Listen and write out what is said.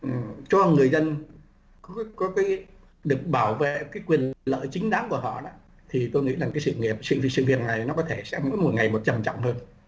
cho người dân có cái được bảo vệ cái quyền lợi chính đáng của họ đó thì tôi nghĩ rằng cái sự nghiệp sự sự việc này nó có thể sẽ mỗi một ngày một trầm trọng hơn